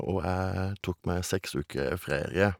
Og jeg tok meg seks uker ferie.